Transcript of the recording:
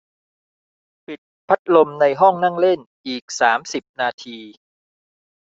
ปิดพัดลมในห้องนั่งเล่นอีกสามสิบนาที